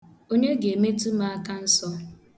Onye ga-emetu m aka nsọ?